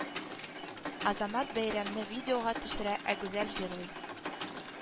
Азамат бәйрәмне видеога төшерә, ә Гүзәл җырлый